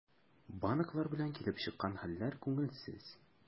Банклар белән килеп чыккан хәлләр күңелсез.